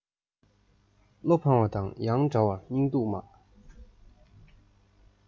བློ ཕངས བ དང ཡང འདྲ བར སྙིང སྡུག མ